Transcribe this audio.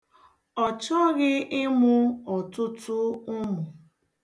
Ọ chọghị ịmụ ọtụtụ ụmụ.